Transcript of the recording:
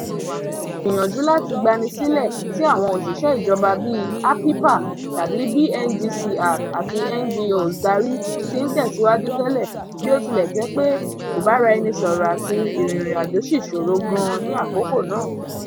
Ìgbìyànjú láti gbani sílẹ̀, tí àwọn òṣìṣẹ́ ìjọba bíi Apipa tàbí BNGCR àti NGOs dárí, ti ń tẹ̀síwájú tẹ́lẹ̀ bí ó tilẹ̀ jẹ́ pé ìbáraẹnisọ̀rọ̀ àti ìrìnrìn-àjò sì ṣòro gan-an ní àkókò náà.